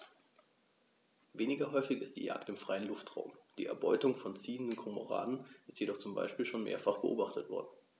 Weniger häufig ist die Jagd im freien Luftraum; die Erbeutung von ziehenden Kormoranen ist jedoch zum Beispiel schon mehrfach beobachtet worden.